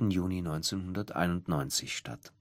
Juni 1991 statt